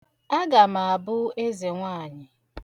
Aga m abụ ezenwaanyị.